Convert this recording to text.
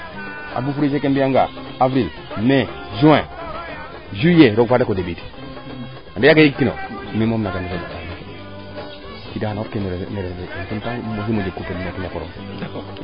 mbiya nga Avril mai juin juillet roog fa dako dembiid im leya nge yip